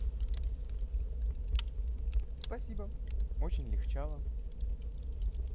спасибо очень легчало